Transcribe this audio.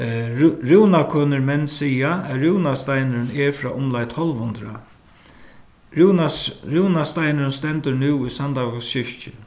rúnakønir menn siga at rúnasteinurin er frá umleið tólv hundrað rúnasteinurin stendur nú í sandavágs kirkju